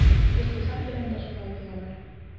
Икътисад белән дә шулай, ди алар.